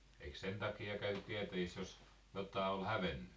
eikö sen takia ja käyty tietäjissä jos jotakin oli hävinnyt